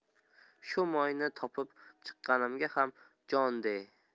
shu moyni topib chiqqanimga ham jon de